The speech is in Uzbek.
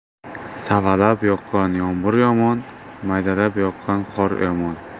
savalab yoqqan yomg'ir yomon maydalab yoqqan qor yomon